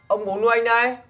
ông bố nuôi anh đây